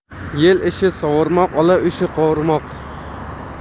yel ishi sovurmoq olov ishi qovurmoq